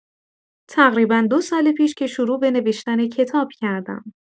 تقریبا دو سال پیش که شروع به نوشتن کتاب کردم